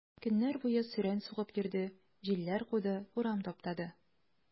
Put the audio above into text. Көннәр буе сөрән сугып йөрде, җилләр куды, урам таптады.